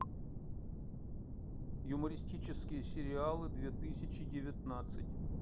юмористические сериалы две тысячи девятнадцать